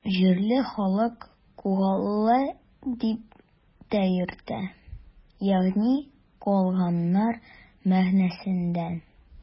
Җирле халык Кугалы дип тә йөртә, ягъни “куылганнар” мәгънәсендә.